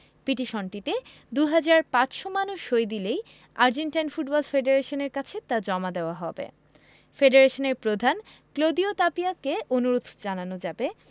পিটিশনটিতে ২ হাজার ৫০০ মানুষ সই দিলেই আর্জেন্টাইন ফুটবল ফেডারেশনের কাছে তা জমা দেওয়া হবে ফেডারেশনের প্রধান ক্লদিও তাপিয়াকে অনুরোধ জানানো যাবে